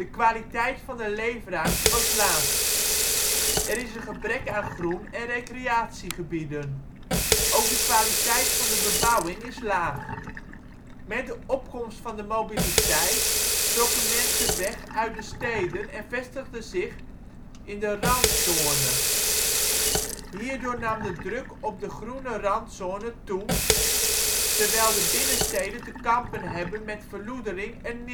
kwaliteit van de leefruimte was laag. Er is een gebrek aan groen en recreatiegebieden. Ook de kwaliteit van de bebouwing is laag. Met de opkomst van de mobiliteit trokken mensen weg uit de steden en vestigen zich in de randzone. Hierdoor nam de druk op de groene randzone toe, terwijl de binnensteden te kampen hebben met verloedering en